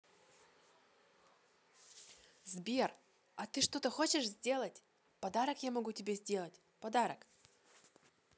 сбер а ты что то хочешь сделать подарок я могу тебе сделать подарок